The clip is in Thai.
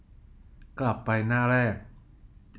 กลับไปหน้าแรก